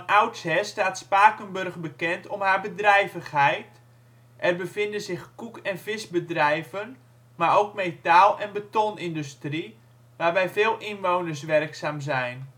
oudsher staat Spakenburg bekend om haar bedrijvigheid; er bevinden zich koek - en visbedrijven maar ook metaal - en betonindustrie, waarbij veel inwoners werkzaam zijn